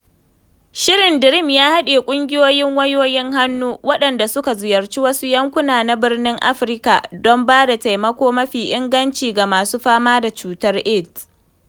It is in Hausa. Shirin DREAM ya haɗe ƙungiyoyin wayoyin hannu waɗanda suka ziyarci wasu yankuna na biranen Afirka don ba da taimako mafi inganci ga masu fama da cutar AIDS.